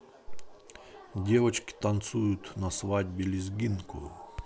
девочки танцуют на свадьбе лезгинку